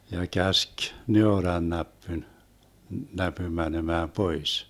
ja käski neurannäpyn näpyn menemään pois